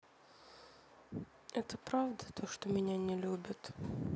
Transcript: это правда то что меня не любят